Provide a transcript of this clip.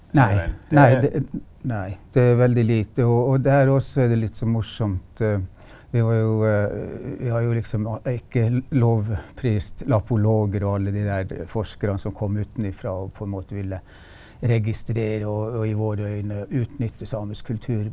nei nei nei det er veldig lite og og der også er det litt sånn morsomt vi var jo vi har jo liksom lovprist lapologere og alle de der forskerne som kom utenifra og på en måte ville registrere og og i våre øyne utnytte samisk kultur.